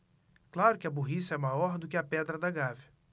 claro que a burrice é maior do que a pedra da gávea